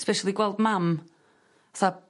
Especially gweld mam 'tha